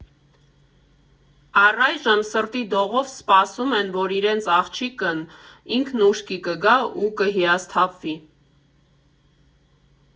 Առայժմ սրտի դողով սպասում են, որ իրենց աղջիկն ինքն ուշքի կգա ու կհիասթափվի։